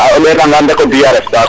o ɗeta ngan rek o di a ref ka quoi